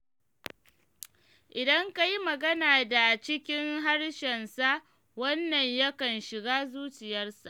Idan ka yi magana da a cikin harshensa wannan yakan shiga zuciyarsa.”